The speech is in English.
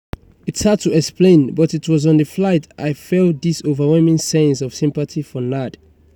It's hard to explain, but it was on the flight I felt this overwhelming sense of sympathy for Nad.